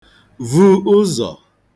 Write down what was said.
vu ụzọ̄